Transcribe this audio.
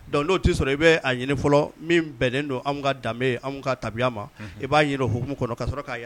Dɔnku' t' sɔrɔ i bɛ ɲini fɔlɔ min bɛnnen don anw ka danbe anw ka tabiya ma i b'a jira huumu kɔnɔ ka sɔrɔ k'a ye